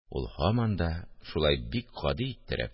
Ул, һаман да шулай бик гади иттереп